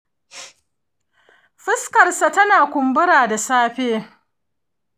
fuskarsa tana kumbura da safe.